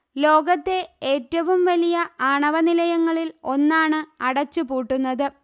ലോകത്തെ ഏറ്റവും വലിയ ആണവനിലയങ്ങളിൽ ഒന്നാണ് അടച്ചുപൂട്ടുന്നത്